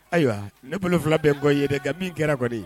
Ayiwa ne bolofila bɛ n kɔ i ye dɛ nka min kɛra kɔni